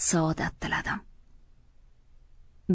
saodat tiladim